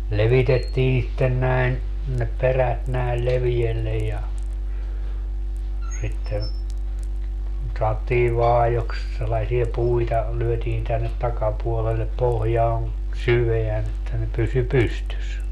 levitettiin sitten näin ne perät näin leveällä ja sitten sanottiin vaajoiksi sellaisia puita lyötiin tänne takapuolelle pohjaan syvään että ne pysyi pystyssä